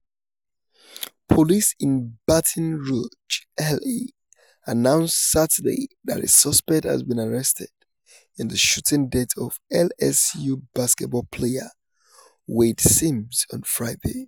Police in Baton Rouge, La., announced Saturday that a suspect has been arrested in the shooting death of LSU basketball player Wayde Sims on Friday.